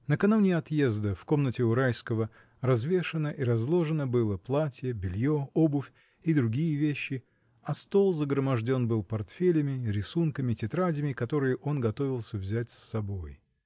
Накануне отъезда в комнате у Райского развешано и разложено было платье, белье, обувь и другие вещи, а стол загроможден был портфелями, рисунками, тетрадями, которые он готовился взять с собой.